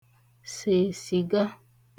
sè sị̀ga